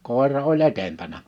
koira oli edempänä